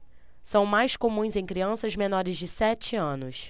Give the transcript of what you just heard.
são mais comuns em crianças menores de sete anos